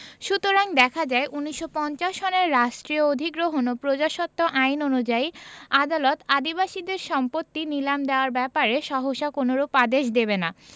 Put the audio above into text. সুতরাং দেখা যায় ১৯৫০ সনের রাষ্ট্রীয় অধিগ্রহণ ও প্রজাস্বত্ব আইন অনুযায়ী আদালত আদিবাসীদের সম্পত্তি নীলাম দেয়ার ব্যাপারে সহসা কোনরূপ আদেশ দেবেনা